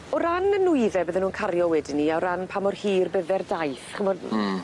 O ran y nwydde bydden nw'n cario wedyn 'ny o ran pa mor hir bydde'r daith ch'mod? Hmm.